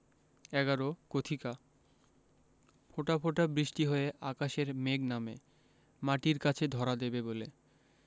১১ কথিকা ফোঁটা ফোঁটা বৃষ্টি হয়ে আকাশের মেঘ নামে মাটির কাছে ধরা দেবে বলে